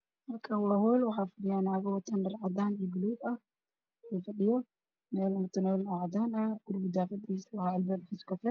Kan waa hool waxaa fadhiyan nago wata dher cadan iyo gaduud ah meel mutuleen cadan ah